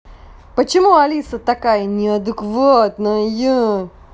почему алиса такая неадекватная